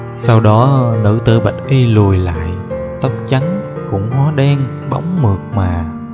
sau đó nữ tự bạch y lùi lại tóc trắng cũng hóa đen bóng mượt mà